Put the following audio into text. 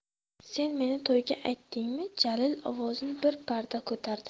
sen meni to'yga aytdingmi jalil ovozini bir parda ko'tardi